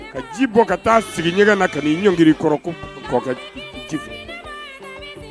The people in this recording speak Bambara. Ci bɔ ka taa sigi ɲɛgɛn na ka ɲɔng kɔrɔ